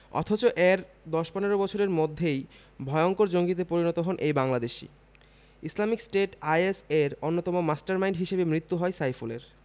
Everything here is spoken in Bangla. অথচ এর ১০ ১৫ বছরের মধ্যেই ভয়ংকর জঙ্গিতে পরিণত হন এই বাংলাদেশি ইসলামিক স্টেট আইএস এর অন্যতম মাস্টারমাইন্ড হিসেবে মৃত্যু হয় সাইফুলের